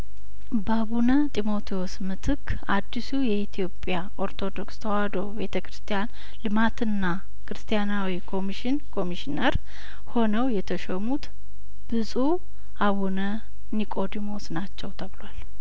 በአቡነ ጢሞቲዎስ ምትክ አዲሱ የኢትዮጵያ ኦርቶዶክስ ተዋህዶ ቤተ ክርስቲያን ልማትና ክርስቲያናዊ ኮሚሽን ኮሚሽነር ሆነው የተሾሙት ብጹእ አቡነ ኒቆዲሞስ ናቸው ተብሏል